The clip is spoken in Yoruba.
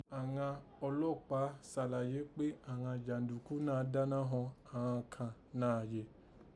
Àghan ọlọ́ọ̀pàá sàlàyé pé àghan jàǹdùkú náà dáná họn àghan kàn nààyè